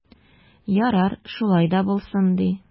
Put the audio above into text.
Ярар, шулай да булсын ди.